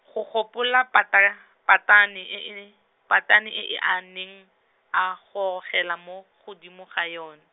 go gopola pata-, phatane e e, phatane e e a neng, a gorogela mo, godimo ga yone.